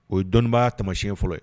O ye dɔnnibaa tamasiɲɛ fɔlɔ ye